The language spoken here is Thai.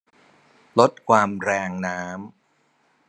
ลดความแรงน้ำ